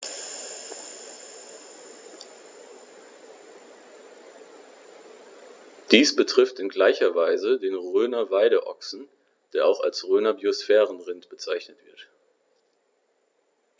Dies betrifft in gleicher Weise den Rhöner Weideochsen, der auch als Rhöner Biosphärenrind bezeichnet wird.